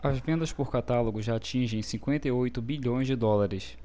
as vendas por catálogo já atingem cinquenta e oito bilhões de dólares